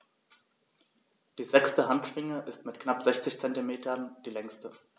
Die sechste Handschwinge ist mit knapp 60 cm die längste.